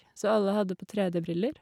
Så alle hadde på 3D-briller.